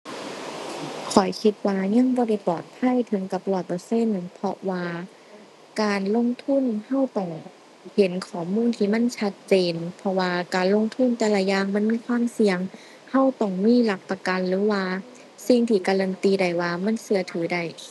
ข้อยคิดว่ายังบ่ได้ปลอดภัยถึงกับร้อยเปอร์เซ็นต์ เพราะว่าการลงทุนเราต้องเห็นข้อมูลที่มันชัดเจน เพราะว่าการลงทุนแต่ละอย่างมันมีความเสี่ยง เราต้องมีหลักประกัน หรือว่าสิ่งที่การันตีได้ว่ามันเราถือได้